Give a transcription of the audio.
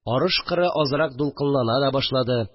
Арыш кыры азрак дулкынлана да башлады